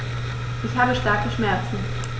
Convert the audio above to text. Ich habe starke Schmerzen.